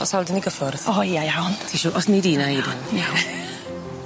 O's hawl 'dy ni gyffwrdd? O ia iawn. Ti sîw- os nei di nai neud e. Iawn.